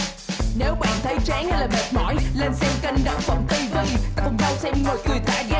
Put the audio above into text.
nếu bạn thấy chán hay là mệt mỏi lên xem kênh đậu phộng ti vi ta cùng nhau xem rồi cười thả ga